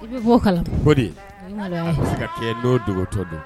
De ka kɛ don dogo to don